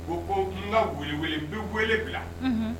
Ko ko n ka Buguni wele n bɛ wele bila